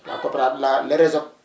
la coopéra la le Resop